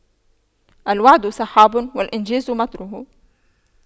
الوعد سحاب والإنجاز مطره